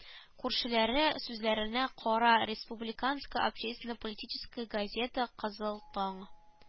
Күршеләре сүзләренә кара республиканская общественно-политическая газета кызыл таң